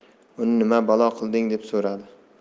uni nima balo qilding deb so'radi